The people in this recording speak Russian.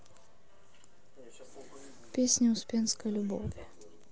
песни успенской любови